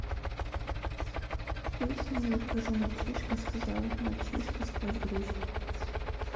песня я ухожу мальчишка сказал мальчишка сквозь грусть